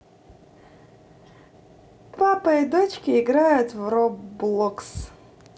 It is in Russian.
папа и дочки играют в roblox